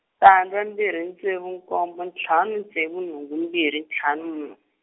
tandza mbirhi ntsevu nkombo ntlhanu ntsevu nhungu mbirhi ntlhanu mune.